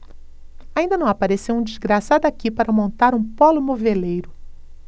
ainda não apareceu um desgraçado aqui para montar um pólo moveleiro